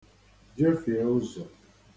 jefìe ụzọ̄